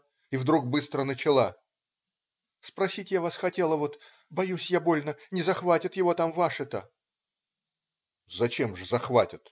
и вдруг быстро начала: "спросить я вас хотела вот, боюсь я больно, не захватят его там ваши-то?" "Зачем же захватят?